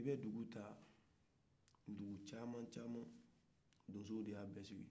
i bɛ duguw ta dugu jaaman jaaman dɔnsow de y'a bɛ sigi